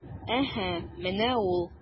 Әһә, менә ул...